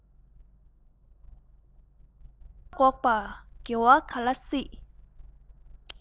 འདོད པ འགོག པ དགེ བ ག ལ ཡིན